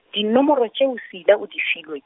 dinomoro tšeo Seila o di filwe.